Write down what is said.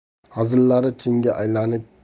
hazillari chinga aylanib